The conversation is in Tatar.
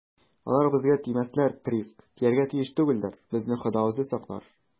- алар безгә тимәсләр, приск, тияргә тиеш түгелләр, безне хода үзе саклар.